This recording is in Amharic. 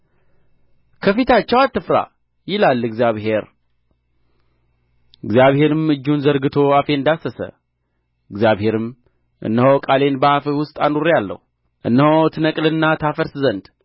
ከፊታቸው አትፍራ ይላል እግዚአብሔር እግዚአብሔርም እጁን ዘርግቶ አፌን ዳሰሰ እግዚአብሔርም እነሆ ቃሌን በአፍህ ውስጥ አኑሬአለሁ እነሆ ትነቅልና ታፈርስ ዘንድ